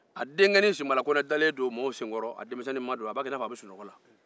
a denkenin sinbala kɔnɛ denmisɛnninma dalen don mɔgɔw sen kɔrɔ a b'a kɛ i n'a fɔ a bɛ sunɔgɔ la